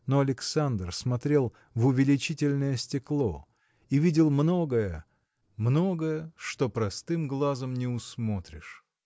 но Александр смотрел в увеличительное стекло и видел многое. многое. чего простым глазом не усмотришь.